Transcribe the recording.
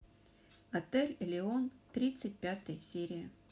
отель элеон тридцать пятая серия